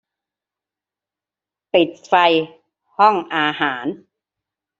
ปิดไฟห้องอาหาร